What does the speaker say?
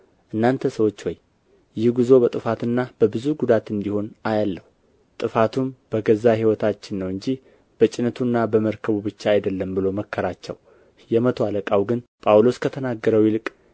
እናንተ ሰዎች ሆይ ይህ ጕዞ በጥፋትና በብዙ ጕዳት እንዲሆን አያለሁ ጥፋቱም በገዛ ሕይወታችን ነው እንጂ በጭነቱና በመርከቡ ብቻ አይደለም ብሎ መከራቸው የመቶ አለቃው ግን ጳውሎስ ከተናገረው ይልቅ